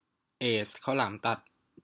เอซข้าวหลามตัด